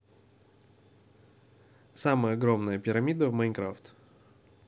самая огромная пирамида в майнкрафт